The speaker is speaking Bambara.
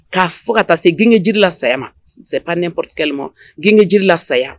K'a fɔ ka taa se ggeji jiri la saya ma sep nptema gge jiri la saya